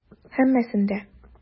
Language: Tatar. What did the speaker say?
Һәммәсен дә.